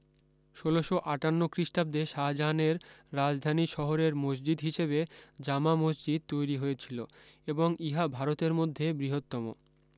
ষোলশ আটান্ন খ্রীষ্টাব্দে শাহজাহানের রাজধানী শহরের মসজিদ হিসেবে জামা মসজিদ তৈরী হয়েছিলো এবং ইহা ভারতের মধ্যে বৃহত্তম